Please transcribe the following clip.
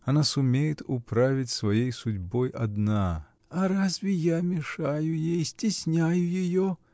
Она сумеет управить своей судьбой одна. — А разве я мешаю ей? стесняю ее?